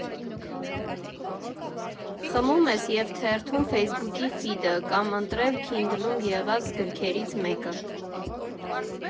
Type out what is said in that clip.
Խմում ես, և թերթում Ֆեյսբուքի ֆիդը (կամ ընտրել քինդլում եղած գրքերից մեկը)։